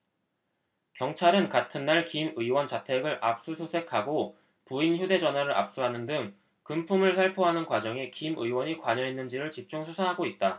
경찰은 같은 날 김 의원 자택을 압수수색하고 부인 휴대전화를 압수하는 등 금품을 살포하는 과정에 김 의원이 관여했는지를 집중 수사하고 있다